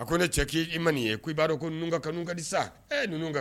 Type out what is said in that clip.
A ko ne cɛ k'i i man nin ye ko'i b'a dɔn ko nu ka kadi sa nu ka